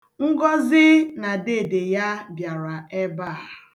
Ngọzị na deede ya bịara ebe a.